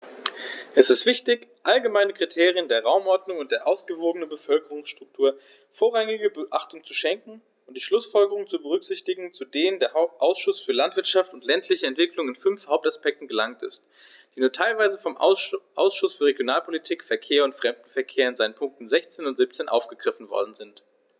Es ist wichtig, allgemeinen Kriterien der Raumordnung und der ausgewogenen Bevölkerungsstruktur vorrangige Beachtung zu schenken und die Schlußfolgerungen zu berücksichtigen, zu denen der Ausschuss für Landwirtschaft und ländliche Entwicklung in fünf Hauptaspekten gelangt ist, die nur teilweise vom Ausschuss für Regionalpolitik, Verkehr und Fremdenverkehr in seinen Punkten 16 und 17 aufgegriffen worden sind.